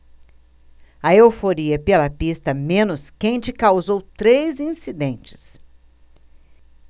a euforia pela pista menos quente causou três incidentes